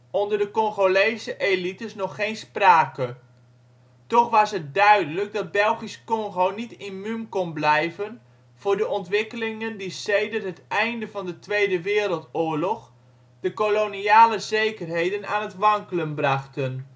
onder de Congolese elites nog geen sprake. Toch was het duidelijk dat Belgisch-Kongo niet immuun kon blijven voor de ontwikkelingen die sedert het einde van de Tweede Wereldoorlog de koloniale zekerheden aan het wankelen brachten